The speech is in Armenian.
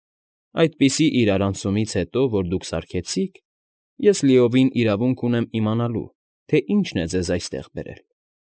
Այդպիսի իրարանցումից հետո, որ դուք սարքեցիք, ես լիովին իրավունք ունեմ իմանալու, թե ինչն է ձեզ այստեղ բերել։